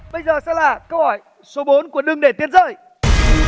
bây giờ sẽ là câu hỏi số bốn của đừng để tiền rơi